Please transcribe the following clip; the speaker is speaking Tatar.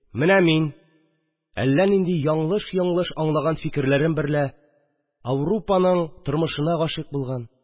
Менә мин – әллә нинди яңлыш-йоңлыш аңлаган фикерләрем берлә ауропаның тормышына гашыйк булган